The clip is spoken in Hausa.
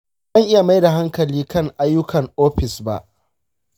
ban iya mai da hankali kan ayyukan ofis ba.